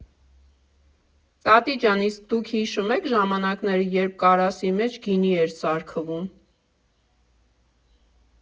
Տատի ջան, իսկ դուք հիշո՞ւմ եք ժամանակները, երբ կարասի մեջ գինի էր սարքվում։